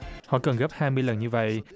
họ cần gấp hai lần như vậy